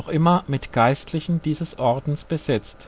immer mit Geistlichen dieses Ordens besetzt